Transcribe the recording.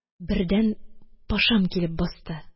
Бердән пашам килеп басты